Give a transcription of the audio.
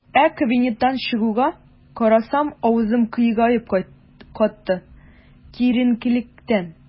Ә кабинеттан чыгуга, карасам - авызым кыегаеп катты, киеренкелектән.